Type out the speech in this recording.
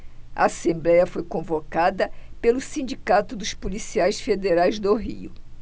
a assembléia foi convocada pelo sindicato dos policiais federais no rio